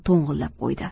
to'ng'illab qo'ydi